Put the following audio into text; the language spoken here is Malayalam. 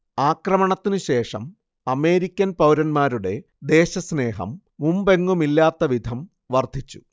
ആക്രമണത്തിനു ശേഷം അമേരിക്കൻ പൗരന്മാരുടെ ദേശസ്നേഹം മുമ്പെങ്ങുമില്ലാത്ത വിധം വർദ്ധിച്ചു